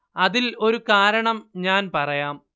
അതില് ഒരു കാരണം ഞാന്‍ പറയാം